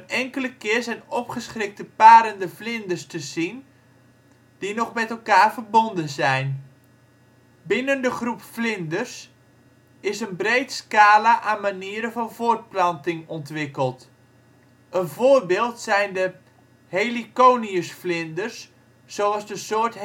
enkele keer zijn opgeschrikte parende vlinders te zien die nog met elkaar verbonden zijn. Binnen de groep Vlinders is een breed scala aan manieren van voortplanting ontwikkeld. Een voorbeeld zijn de heliconiusvlinders zoals de soort